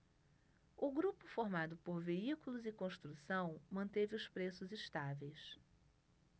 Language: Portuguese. o grupo formado por veículos e construção manteve os preços estáveis